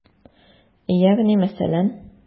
Ягъни мәсәлән?